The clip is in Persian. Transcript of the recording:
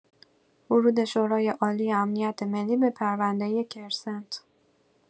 ورود شورای‌عالی امنیت ملی به پرونده کرسنت